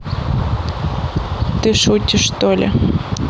ты шутишь что ли